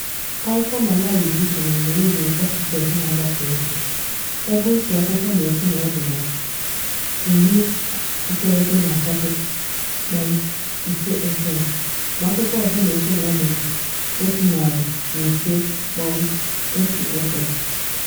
Akwụkwọ Malawi dị iche n'ugboro ugboro Pachikweza na-agbasaozi, ebe otu akwụkwọ na-ekwu na ọ dị na 98.5FM, ma akwụkwọ ọzọ na-ekwu na ọ dị na 105.1FM.